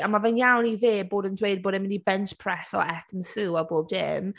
A mae fe'n iawn i fe bod yn dweud bod e’n mynd i bench preso Ekin-Su a bob dim.